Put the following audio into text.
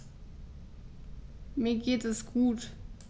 Mir geht es gut.